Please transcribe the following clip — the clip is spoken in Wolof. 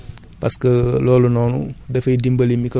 baax na nga jël sa houe wala sa ileer